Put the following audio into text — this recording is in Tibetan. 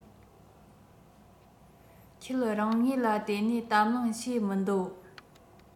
ཁྱེད རང ངོས ལ ལྟོས ནས གཏམ གླེང བྱེད མི འདོད